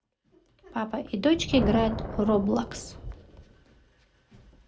папа и дочки играют в roblox